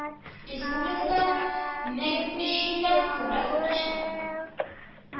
Республикада мең өч йөздән күбрәк укытучы